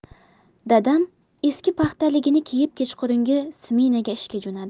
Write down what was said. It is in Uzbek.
dadam eski paxtaligini kiyib kechqurungi smenaga ishga jo'nadi